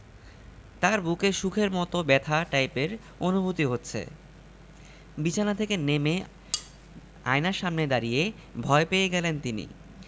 তাঁর বুকে সুখের মতো ব্যথা টাইপের অনুভূতি হচ্ছে বিছানা থেকে নেমে আয়নার সামনে দাঁড়িয়ে ভয় পেয়ে গেলেন তিনি